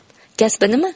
kasbi nima